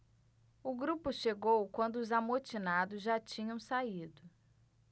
o grupo chegou quando os amotinados já tinham saído